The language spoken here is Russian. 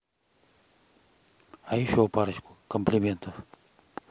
а еще парочку комплиментов